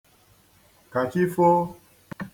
Ka chi foo!